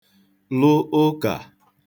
-lụ ụkà